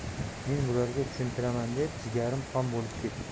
men bularga tushuntiraman deb jigarim qon bo'lib ketdi